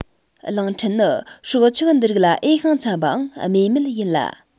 གླིང ཕྲན ནི སྲོག ཆགས འདི རིགས ལ འོས ཤིང འཚམ པའང སྨོས མེད ཡིན ལ